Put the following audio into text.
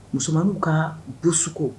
Musoman ka bu suko